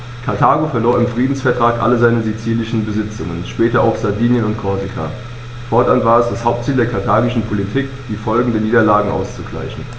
Karthago verlor im Friedensvertrag alle seine sizilischen Besitzungen (später auch Sardinien und Korsika); fortan war es das Hauptziel der karthagischen Politik, die Folgen dieser Niederlage auszugleichen.